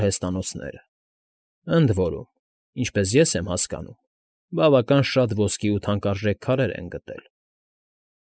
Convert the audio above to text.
Արհեստատնոցները, ընդ որում, ինչպես ես եմ հասկանում, բավական շատ ոսկի ու թանկարժեք քարեր են գտել։